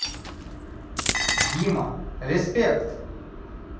дима респект